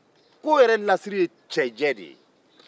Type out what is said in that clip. ko lasiri ye cɛjɛ de ye